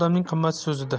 odamning qimmati so'zida